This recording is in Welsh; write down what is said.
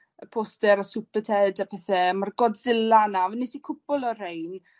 y poster o Superted a pethe a ma'r Godzilla 'na a mi nes i cwpwl o rhein